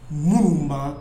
Min ma